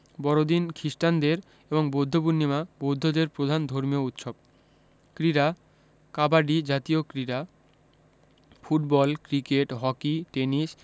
বড়দিন খ্রিস্টানদের এবং বৌদ্ধপূর্ণিমা বৌদ্ধদের প্রধান ধর্মীয় উৎসব ক্রীড়াঃ কাবাডি জাতীয় ক্রীড়া ফুটবল ক্রিকেট হকি টেনিস